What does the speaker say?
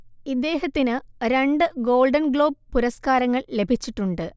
ഇദ്ദേഹത്തിന് രണ്ട് Golden Globe പുരസകാരങ്ങൾ ലഭിച്ചിട്ടുണ്ട്